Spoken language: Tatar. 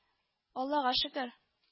- аллага шөкер